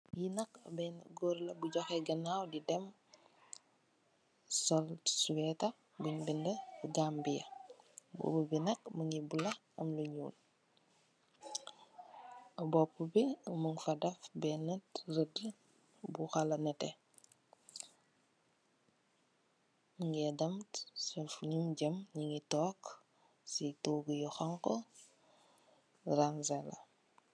Ki nak bena góor la bu joxe ganaw di dem, sol suweta bunye bind Gambia . Mbubu bi nak mungi bula am lu ñuol. Bopu bi mungfa def benn radd, bu xala nete. Mungé dem, si nyim jem nyungi toog ci togu yu xonxu rangseleh.